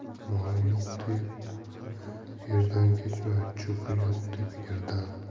moli yo'q deb erdan kechma cho'pi yo'q deb yerdan